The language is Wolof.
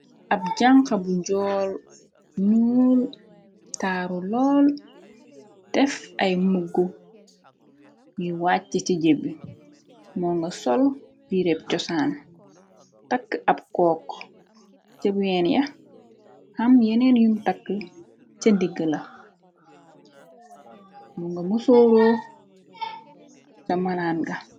Ab jànxa bu jool nuul taaru lool def ay mugu yu wàcca ci jébbi moo nga sol yireb cosaan takka ab kook si ween yax am yeneen yum taka ci ndigga la mu nga mësooro ca malaan ga.